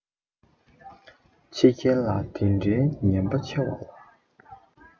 ཕྱི རྒྱལ ལ འདི གྲའི ཉན པ ཆེ བ ལ